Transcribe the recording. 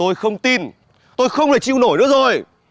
tôi không tin tôi không thể chịu nổi nữa rồi